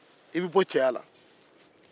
i bɛ bɔ cɛya la